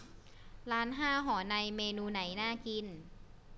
ร้านห้าหอในเมนูไหนน่ากิน